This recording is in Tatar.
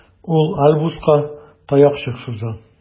Ул Альбуска таякчык суза.